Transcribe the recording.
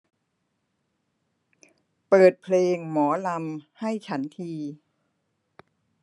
เปิดเพลงหมอลำให้ฉันที